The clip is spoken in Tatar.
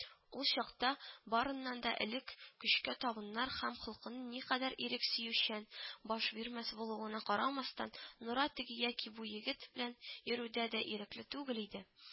Ул чакта барыннан да элек көчкә табыналар һәм холкының никадәр ирек сөючән, баш бирмәс булуына карамастан, Нора теге яки бу егет белән йөрүдә дә ирекле түгел иде